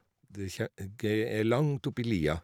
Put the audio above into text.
Det kje gei er langt oppi lia.